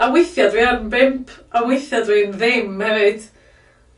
On' weithia dwi yn bump on' weithia dwi'n ddim hefyd.